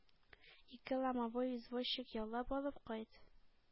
Ике ломовой извозчик яллап алып кайт!